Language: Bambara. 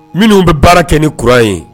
Minnu bɛ baara kɛ ni kuran ye